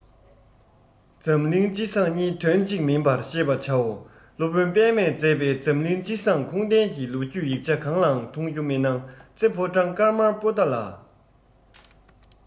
འཛམ གླིང སྤྱི བསང གཉིས དོན གཅིག མིན པར ཤེས པ བྱའོ སློབ དཔོན པདྨས མཛད པའི འཛམ གླིང སྤྱི བསངས ཁུངས ལྡན གྱི ལོ རྒྱུས ཡིག ཆ གང ལའང མཐོང རྒྱུ མི སྣང རྩེ ཕོ བྲང དཀར དམར པོ ཏ ལ